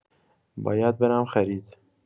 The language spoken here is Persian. باید برم خرید.